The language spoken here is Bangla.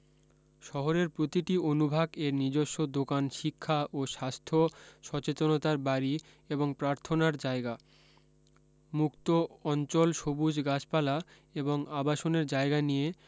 শহরের প্রতিটি অনুভাগ এর নিজস্ব দোকান শিক্ষা ও স্বাস্থ্য সচেতনতার বাড়ী এবং প্রার্থনার জায়গা মুক্ত অঞ্চল সবুজ গাছপালা এবং আবাসনের জায়গা নিয়ে